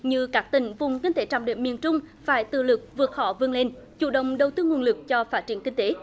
như các tỉnh vùng kinh tế trọng điểm miền trung phải tự lực vượt khó vươn lên chủ động đầu tư nguồn lực cho phát triển kinh tế